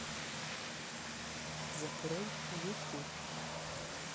закрой ютюб